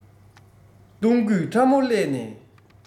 སྟོང སྐུད ཕྲ མོ བསླས ནས